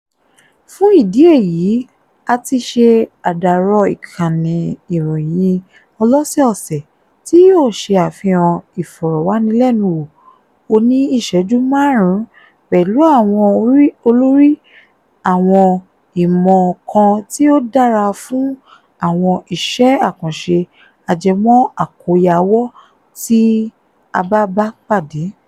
Fún ìdí èyí á ti ṣe àdàrọ ìkànnì ìròyìn ọlọ́sẹ̀ọ̀sẹ̀ tí yóò ṣe àfihàn ìfọ̀rọ̀wánilẹ́nuwò oní ìṣẹ́jú márùn-ún pẹ̀lú àwọn olórí àwọn ìmọ̀ kan tí ó dára fún àwọn iṣẹ́ àkànṣe ajẹmọ́ àkóyawọ́ tí a bá bá pàdé.